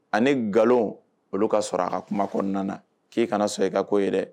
Ani nkalon olu ka sɔrɔ a kuma kɔnɔna na k'i kana sɔn i ka k'o ye dɛ